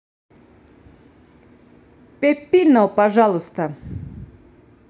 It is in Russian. peppino пожалуйста